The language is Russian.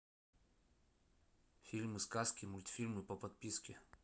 фильмы сказки мультфильмы по подписке